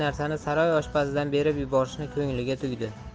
narsani saroy oshpazidan berib yuborishni ko'ngliga tugdi